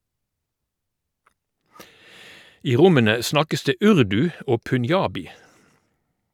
I rommene snakkes det urdu og punjabi.